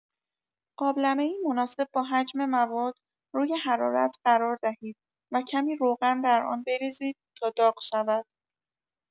قابلمه‌ای مناسب با حجم مواد روی حرارت قرار دهید و کمی روغن در آن بریزید تا داغ شود.